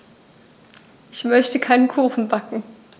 Ich möchte einen Kuchen backen.